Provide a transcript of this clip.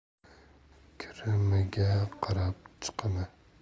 kirimiga qarab chiqimi